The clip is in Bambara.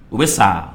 O bɛ sa